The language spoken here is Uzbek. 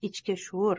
ichki shuur